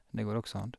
Det går også an.